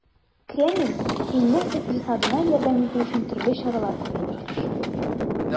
Кремль илнең икътисадына ярдәм итү өчен төрле чаралар күрергә тырыша.